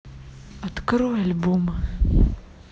открой альбом